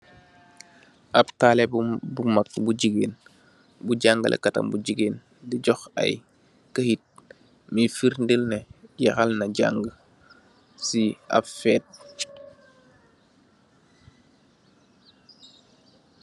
Ahbb taaleh bu bu mak bu gigain bu jangaleh katam bu gigain dii jokh aiiy keit, bui firr ndel neh jekhal na jangue cii ahbb fehte.